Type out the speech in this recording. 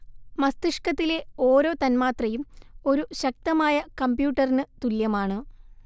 മസ്തിഷ്കത്തിലെ ഓരോ തന്മാത്രയും ഒരു ശക്തമായ കമ്പ്യൂട്ടറിനു തുല്യമാണ്